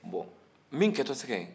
bɔn min kɛtɔ sɛgɛn